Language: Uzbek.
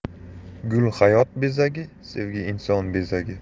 gul hayot bezagi sevgi inson bezagi